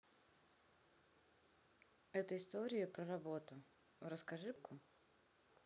это история про работу расскажи про вику